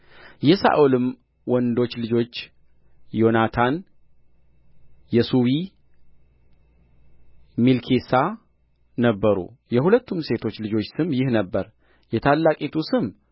የሳኦልም ወንዶች ልጆች ዮናታን የሱዊ ሜልኪሳ ነበሩ የሁለቱም ሴቶች ልጆቹ ስም ይህ ነበረ የታላቂቱ ስም